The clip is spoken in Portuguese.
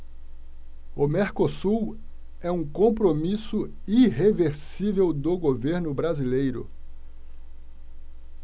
o mercosul é um compromisso irreversível do governo brasileiro